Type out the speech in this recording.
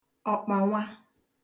ọ̀kpànwa